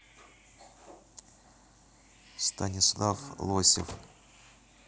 станислав лосев